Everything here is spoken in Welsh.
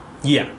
Ia.